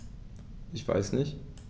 Ich weiß nicht.